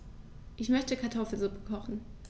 Ich möchte Kartoffelsuppe kochen.